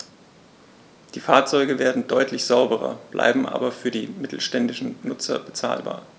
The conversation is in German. Die Fahrzeuge werden deutlich sauberer, bleiben aber für die mittelständischen Nutzer bezahlbar.